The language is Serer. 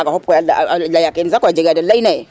kga fop koy aleya ken sax a jega we ley na ye